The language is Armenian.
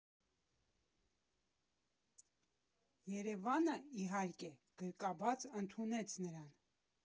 Երևանը, իհարկե, գրկաբաց ընդունեց նրան։